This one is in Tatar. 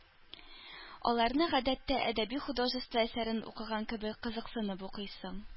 Аларны, гадәттә, әдәби-художество әсәрен укыган кебек кызыксынып укыйсың.